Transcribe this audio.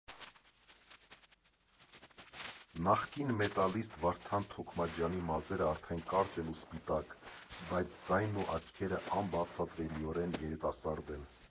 Նախկին մետալիստ Վարդան Թոքմաջյանի մազերը արդեն կարճ են ու սպիտակ, բայց ձայնն ու աչքերը անբացատրելիորեն երիտասարդ են։